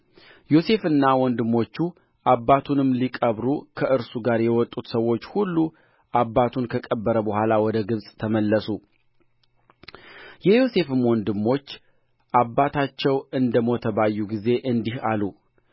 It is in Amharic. ዮሴፍና ወንድሞቹ አባቱንም ሊቀብሩ ከእርሱ ጋር የወጡት ሰዎች ሁሉ አባቱን ከቀበረ በኋላ ወደ ግብፅ ተመለሱ የዮሴፍም ወንድሞች አባታቸው እንደ ሞተ ባዩ ጊዜ እንዲህ አሉ